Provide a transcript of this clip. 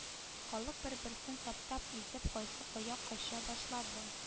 Халык бер-берсен таптап-изеп кайсы кая кача башлады